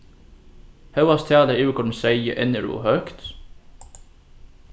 hóast talið á yvirkoyrdum seyði enn er ov høgt